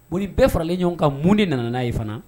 Boli bɛɛ faralen ɲɔgɔn ka mun de nana ye fana